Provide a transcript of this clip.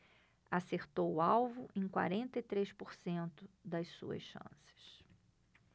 acertou o alvo em quarenta e três por cento das suas chances